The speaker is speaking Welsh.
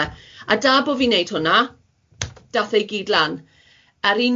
A da bo fi'n neud hwnna, dath e gyd lan